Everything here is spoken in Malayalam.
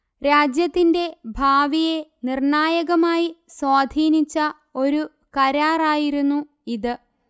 രാജ്യത്തിന്റെ ഭാവിയെ നിർണായകമായി സ്വാധീനിച്ച ഒരു കരാറായിരുന്നു ഇത്